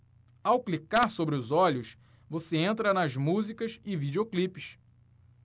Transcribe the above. ao clicar sobre os olhos você entra nas músicas e videoclipes